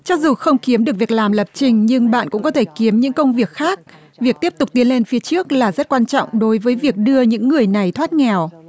cho dù không kiếm được việc làm lập trình nhưng bạn cũng có thể kiếm những công việc khác việc tiếp tục tiến lên phía trước là rất quan trọng đối với việc đưa những người này thoát nghèo